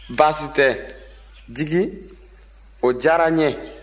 baasi tɛ jigi o diyara n ye